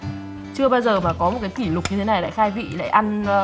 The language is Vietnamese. chưa bao giờ mà có một cái kỷ lục như thế này lại khai vị lại ăn a